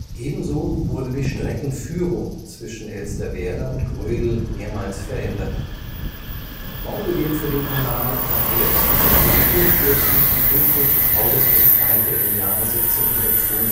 Ebenso wurde die Streckenführung zwischen Elsterwerda und Grödel mehrmals verändert. Baubeginn für den Kanal war erst unter dem Kurfürsten Friedrich August II. im Jahre 1742